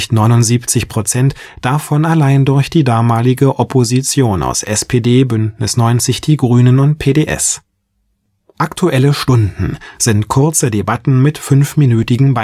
79 %) davon allein durch die damalige Opposition aus SPD, Bündnis 90/Die Grünen und PDS. „ Aktuelle Stunden “sind kurze Debatten mit fünfminütigen